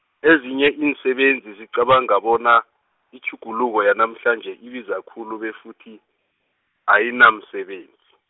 ezinye iinsebenzi zicabanga bona, itjhuguluko yanamhlanje ibiza khulu befuthi, ayinamsebenzi.